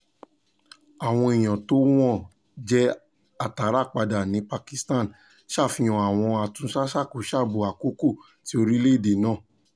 Àwọn èèyàn tó wọ́n jẹ́ atáradá ní Pakistan ṣàfihàn àwọn Àtúndásákosábo àkọ́kọ́ tí orílẹ̀-èdè náà